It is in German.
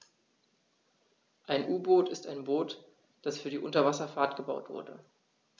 Ein U-Boot ist ein Boot, das für die Unterwasserfahrt gebaut wurde.